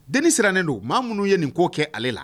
Den sirannen don maa minnu ye nin ko' kɛ ale la